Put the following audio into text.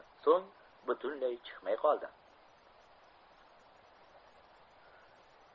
so'ng butunlay chiqmay qoldi